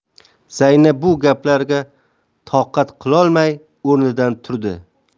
zaynab bu gaplarga toqat qilolmay o'rnidan turdi